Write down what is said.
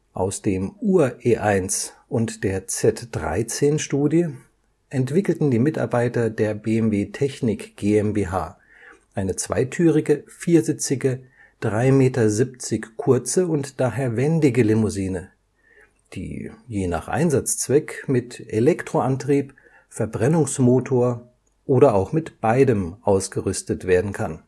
Aus dem Ur-E1 und der Z13-Studie entwickelten die Mitarbeiter der BMW Technik GmbH eine zweitürige, viersitzige, 3,70 Meter kurze und daher wendige Limousine, die – je nach Einsatzzweck – mit Elektroantrieb, Verbrennungsmotor oder auch mit beidem ausgerüstet werden kann